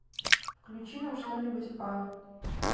включи нам что нибудь а